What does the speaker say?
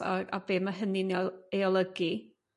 a a be ma' hynny'n 'i ol- ei olygu.